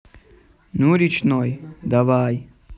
ну речной давайте